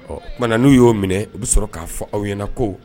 Ɔ munna na n'u y'o minɛ u bɛ sɔrɔ k'a fɔ aw ɲɛna ko